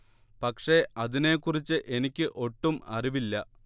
പക്ഷെ അതിനെ കുറിച്ച് എനിക്ക് ഒട്ടും അറിവില്ല